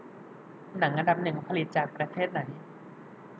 หนังอันดับหนึ่งผลิตจากประเทศไหน